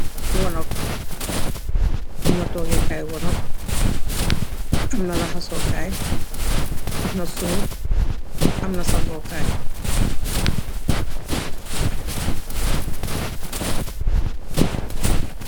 Wanak, am na tógeh Kai wanak, am na raxasu Kai , am na siwo, am na sangó Kai.